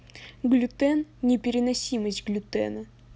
глютен непереносимость глютена